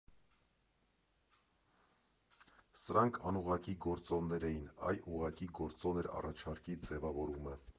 Սրանք անուղղակի գործոններ էին, այ ուղղակի գործոն էր առաջարկի ձևավորումը։